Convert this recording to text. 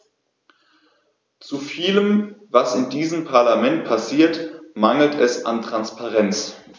Zu vielem, was in diesem Parlament passiert, mangelt es an Transparenz.